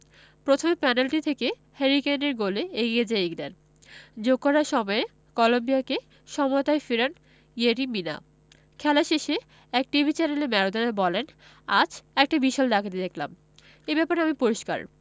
প্রথমে পেনাল্টি থেকে হ্যারি কেইনের গোলে এগিয়ে যায় ইংল্যান্ড যোগ করা সময়ে কলম্বিয়াকে সমতায় ফেরান ইয়েরি মিনা খেলা শেষে এক টিভি চ্যানেলে ম্যারাডোনা বলেন আজ একটা বিশাল ডাকাতি দেখলাম এ ব্যাপারে আমি পরিষ্কার